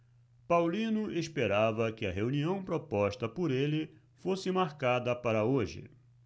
paulino esperava que a reunião proposta por ele fosse marcada para hoje